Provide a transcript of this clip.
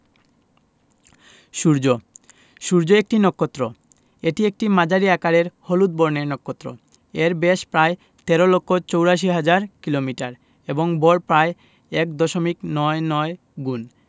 সূর্যঃ সূর্য একটি নক্ষত্র এটি একটি মাঝারি আকারের হলুদ বর্ণের নক্ষত্র এর ব্যাস প্রায় ১৩ লক্ষ ৮৪ হাজার কিলোমিটার এবং ভর প্রায় এক দশমিক নয় নয় গুণ